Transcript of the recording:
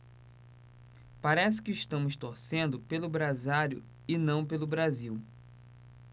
parece que estamos torcendo pelo brasário e não pelo brasil